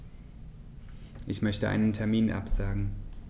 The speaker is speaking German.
Ich möchte einen Termin absagen.